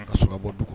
Ka sɔrɔ ka bɔ du kɔnɔ.